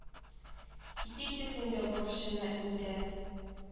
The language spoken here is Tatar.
Китик без инде бурычыны үтә